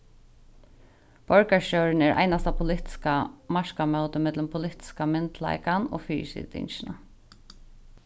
borgarstjórin er einasta politiska markamótið millum politiska myndugleikan og fyrisitingina